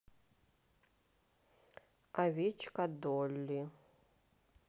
овечка долли